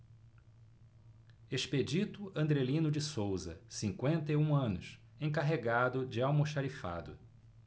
expedito andrelino de souza cinquenta e um anos encarregado de almoxarifado